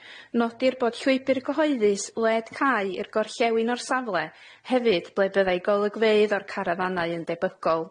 Nodir bod llwybyr cyhoeddus led cae i'r gorllewin o'r safle hefyd ble byddai golygfeydd o'r carafanau yn debygol.